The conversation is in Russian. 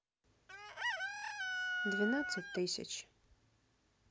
двенадцать тысяч